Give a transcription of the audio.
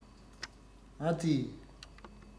ཨ ཙི